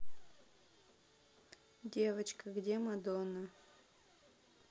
девочка где мадонна